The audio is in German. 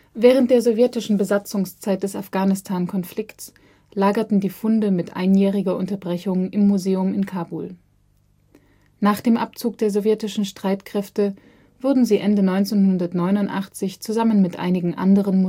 Während der sowjetischen Besatzungszeit des Afghanistankonflikts lagerten die Funde mit einjähriger Unterbrechung im Museum in Kabul. Nach dem Abzug der sowjetischen Streitkräfte wurden sie Ende 1989 zusammen mit einigen anderen